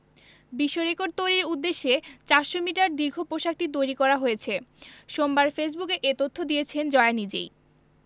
বিশ্বরেকর্ড তৈরির উদ্দেশ্যে ৪০০ মিটার দীর্ঘ পোশাকটি তৈরি করা হয়েছে সোমবার ফেসবুকে এ তথ্য দিয়েছেন জয়া নিজেই